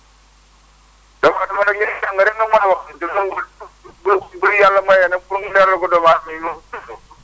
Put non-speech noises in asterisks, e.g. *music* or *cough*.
*unintelligible* bu bu ñu yàlla mayee nag pour ñu leeral ko doomu aadama yi *unintelligible*